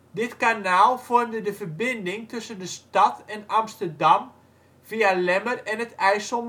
Dit kanaal vormt de verbinding tussen de stad en Amsterdam via Lemmer en het IJsselmeer. De